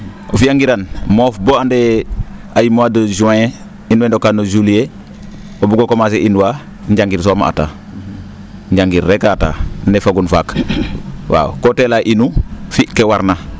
O fi'angiran moof bo andee ay mois de juin in waay ndoka no juillet o bug o commencer inwaa njangir soom a ataa njangir rek a ataa ne fagun faak waaw ko teela inu fi ke warna